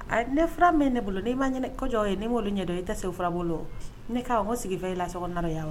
Ne fura min ne bolo ne maa ɲɛ kojɔ ye ne wolo ɲɛ don i tɛ se fura bolo ne k' sigifɛ i la so na yan wa